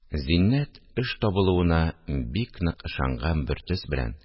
Зиннәт эш табылуына бик нык ышанган бер төс белән: